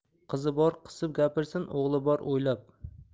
qizi bor qisib gapirsin o'g'li bor o'ylab